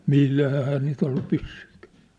millähän eihän niitä ollut pyssyjäkään